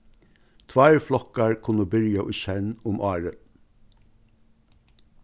tveir flokkar kunnu byrja í senn um árið